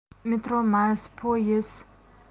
metromas poyiz